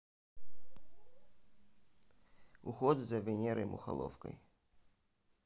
уход за венерой мухоловкой